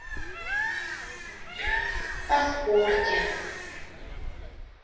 о спорте